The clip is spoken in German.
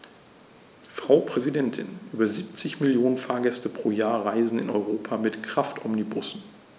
Frau Präsidentin, über 70 Millionen Fahrgäste pro Jahr reisen in Europa mit Kraftomnibussen.